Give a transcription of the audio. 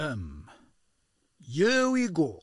Here we go.